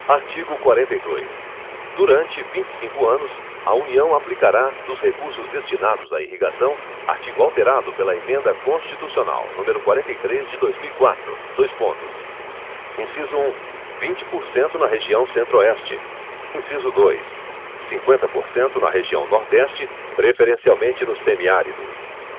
artigo quarenta e dois durante vinte e cinco anos a união aplicará dos recursos destinados à irrigação artigo alterado pela emenda constitucional número quarenta e três de dois mil e quatro dois pontos inciso um vinte por cento na região centro oeste inciso dois cinqüenta por cento na região nordeste preferencialmente no semi árido